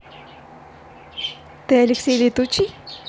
танцы алексей летучий